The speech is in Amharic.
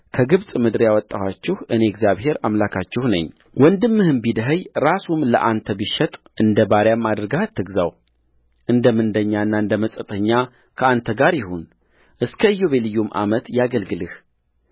ከግብፅ ምድር ያወጣኋችሁ እኔ እግዚአብሔር አምላካችሁ ነኝወንድምህም ቢደኸይ ራሱንም ለአንተ ቢሸጥ እንደ ባሪያ አድርገህ አትግዛውእንደ ምንደኛና እንደ መጻተኛ ከአንተ ጋር ይሁን እስከ ኢዮቤልዩም ዓመት ያገልግልህ